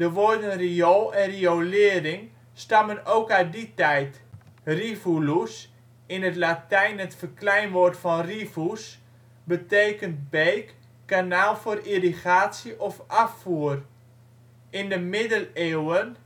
woorden riool en riolering stammen ook uit die tijd: rivulus, in het Latijn het verkleinwoord van rivus, betekent beek, kanaal voor irrigatie of afvoer. In de Middeleeuwen